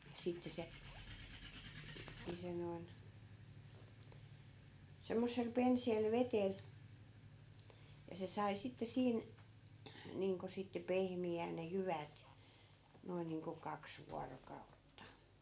sitten se niin se noin semmoisella penseällä vedellä ja se sai sitten siinä niin kuin sitten pehmiämään ne jyvät noin niin kuin kaksi vuorokautta